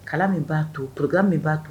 Kalan min b'a to, programme min b'a to